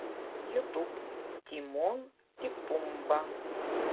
ютуб тимон и пумба